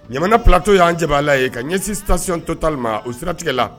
Ɲamana plateau y'an jabala ye ka ɲɛsin Station Totale ma o siratigɛ la